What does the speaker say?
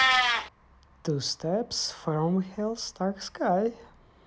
two steps from hell star sky